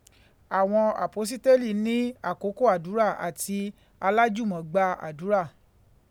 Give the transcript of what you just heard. Àwọn Àpọ́sítélì ní àkókò àdúrà àti alájùmọ̀ gba àdúrà.